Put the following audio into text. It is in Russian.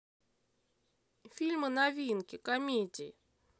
фильмы новинки комедии